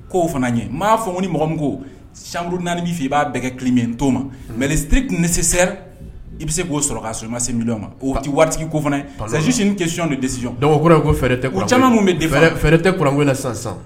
Ko oo fana ye m maaa fɔ ni mɔgɔ min ko sauru naaniani b' fɛ i b'a bɛɛ kɛ kile to ma mɛtiri tun ni se sera i bɛ se k'o sɔrɔka so i ma se min ma o tɛ waatitigi ko fana ye parcesisin kecɔn de disi dɔw kɔrɔ fɛɛrɛ tɛ caman minnu bɛ de fɛ fɛrɛɛrɛ tɛ kuran sisan sa